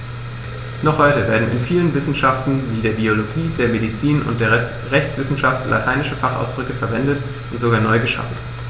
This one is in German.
Noch heute werden in vielen Wissenschaften wie der Biologie, der Medizin und der Rechtswissenschaft lateinische Fachausdrücke verwendet und sogar neu geschaffen.